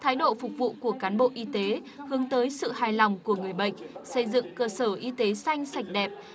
thái độ phục vụ của cán bộ y tế hướng tới sự hài lòng của người bệnh xây dựng cơ sở y tế xanh sạch đẹp